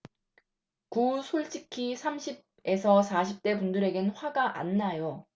구 솔직히 삼십 에서 사십 대 분들에겐 화가 안 나요